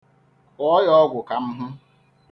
Kọọ ya ọgwụ ka m hụ!